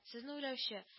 Сезне уйлаучы